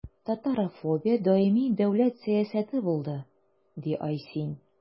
Татарофобия даими дәүләт сәясәте булды, – ди Айсин.